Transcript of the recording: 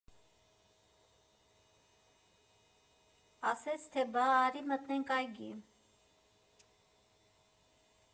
Ասեց, թե բա՝ արի մտնենք այգի։